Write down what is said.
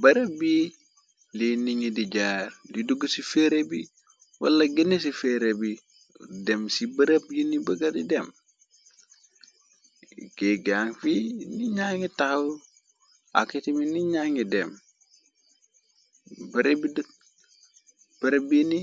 Bereb bi li ni ngi di jaar di dugg ci fere bi wala gene ci feere di dém ci bereb yini begar di dem. Géj gang fi niña ngi tahaw, akatami niña dem. Bereb bi